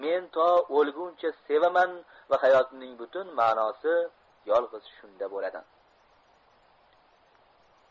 men to o'lguncha sevaman va hayotimning butun manosi yolg'iz shunda bo'ladi